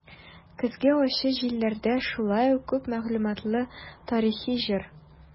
"көзге ачы җилләрдә" шулай ук күп мәгълүматлы тарихи җыр.